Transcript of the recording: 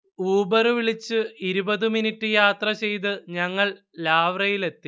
ഊബറുവിളിച്ച് ഇരുപത് മിനിറ്റ് യാത്ര ചെയ്ത് ഞങ്ങൾ ലാവ്റയിലെത്തി